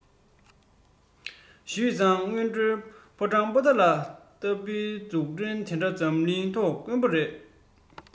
ཞུས ཙང དངོས འབྲེལ ཕོ བྲང པོ ཏ ལ ལྟ བུའི འཛུགས སྐྲུན དེ འདྲ འཛམ གླིང ཐོག དཀོན པོ རེད